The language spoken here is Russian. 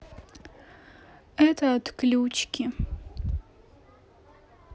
это отключки